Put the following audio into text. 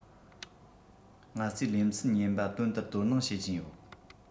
ང ཚོས ལེ ཚན ཉེན པ དོན དེར དོ སྣང བྱེད ཀྱིན ཡོད